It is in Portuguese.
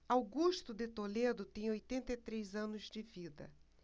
augusto de toledo tem oitenta e três anos de vida